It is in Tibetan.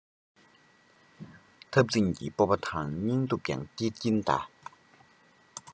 སྟོན གསུམ གྱི དཔལ ཡོན ས གཞི ལ ཤར དུས